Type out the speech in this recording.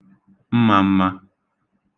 mmām̄mā